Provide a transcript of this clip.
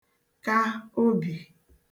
ka obì